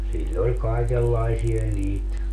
sillä oli kaikenlaisia niitä